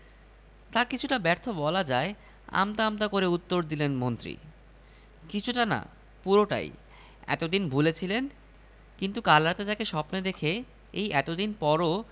আচ্ছা ভাই একটা ব্যাপার সকাল থেকে কেউ আমাকে দেখতে পেল না অথচ আপনি আমাকে দেখলেন শুধু দেখলেন না চিনেও ফেললেন এটা কীভাবে সম্ভব হলো